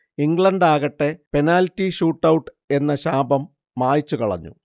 ഇംഗ്ലണ്ടാകട്ടെ penalty ഷൂട്ടൗട്ടെന്ന ശാപം മായ്ച്ചു കളഞ്ഞു